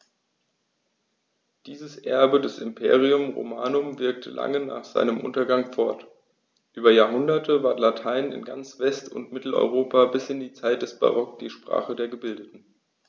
Dieses Erbe des Imperium Romanum wirkte lange nach seinem Untergang fort: Über Jahrhunderte war Latein in ganz West- und Mitteleuropa bis in die Zeit des Barock die Sprache der Gebildeten.